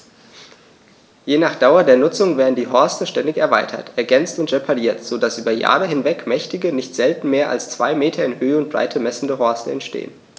Je nach Dauer der Nutzung werden die Horste ständig erweitert, ergänzt und repariert, so dass über Jahre hinweg mächtige, nicht selten mehr als zwei Meter in Höhe und Breite messende Horste entstehen.